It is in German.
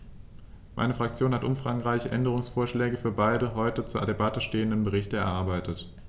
Meine Fraktion hat umfangreiche Änderungsvorschläge für beide heute zur Debatte stehenden Berichte erarbeitet.